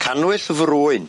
Canwyll frwyn.